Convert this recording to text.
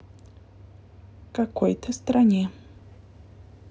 какой то стране